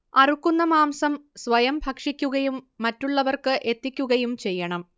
അറുക്കുന്ന മാംസം സ്വയം ഭക്ഷിക്കുകയും മറ്റുള്ളവർക്ക് എത്തിക്കുകയും ചെയ്യണം